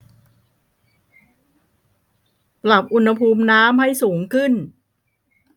ปรับอุณหภูมิน้ำให้สูงขึ้น